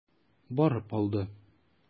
Барып алды.